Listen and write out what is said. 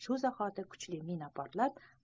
shu zahoti kuchli mina portlab